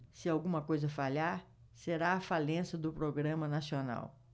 se alguma coisa falhar será a falência do programa nacional